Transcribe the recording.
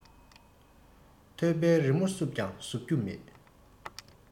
ཐོད པའི རི མོ བསུབས ཀྱང ཟུབ རྒྱུ མེད